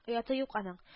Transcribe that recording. Ояты юк аның